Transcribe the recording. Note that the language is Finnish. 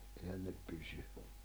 eihän ne pysy